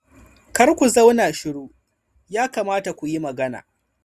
Kar ku zauna shiru- yakamata ku yi magana.”